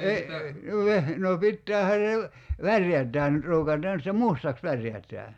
- no - no pitäähän se - värjätään nyt ruukataan se mustaksi värjätään